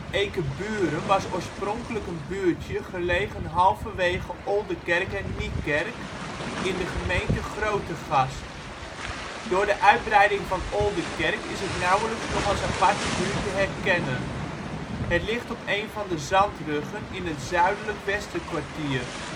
Eekeburen was oorspronkelijk een buurtje gelegen halverwege Oldekerk en Niekerk in de gemeente Grootegast. Door de uitbreiding van Oldekerk is het nauwelijks nog als aparte buurt te herkennen. Het ligt op een van de zandruggen in het Zuidelijk Westerkwartier